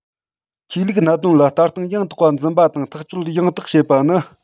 ཆོས ལུགས གནད དོན ལ ལྟ སྟངས ཡང དག འཛིན པ དང ཐག གཅོད ཡང དག བྱེད པ ནི